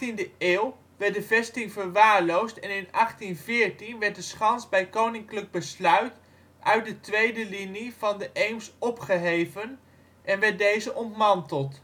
In de 18e eeuw werd de vesting verwaarloosd en in 1814 werd de schans bij Koninklijk Besluit uit de 2e Linie van de Eems opgeheven en werd deze ontmanteld.